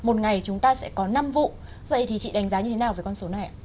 một ngày chúng ta sẽ có năm vụ vậy thì chị đánh giá như thế nào về con số này ạ